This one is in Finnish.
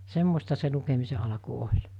semmoista se lukemisen alku oli